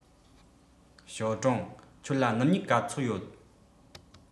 ཞའོ ཀྲང ཁྱོད ལ སྣུམ སྨྱུག ག ཚོད ཡོད